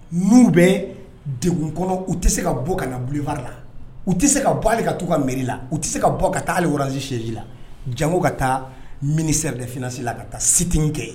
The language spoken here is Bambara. N' bɛ deg kɔnɔ u tɛ se ka bɔ ka na buwa la u tɛ se ka bɔ ale ka taa u kala u tɛ se ka bɔ ka taaale wali sili la jango ka taa minisɛri def fsi la ka taa sit kɛ